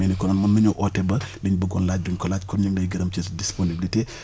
mais ni konoon mën nañoo oote ba liñ bëggoon laaj duñ ko laaj kon ñu ngi lay gërëm ci sa disponibilité